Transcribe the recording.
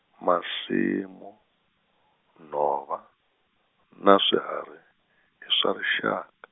masimu, nhova, na swihari, i swa rixak-.